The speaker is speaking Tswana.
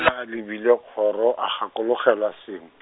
a lebile kgoro, a gakologelwa seng.